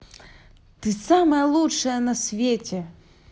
ты самая лучшая на свете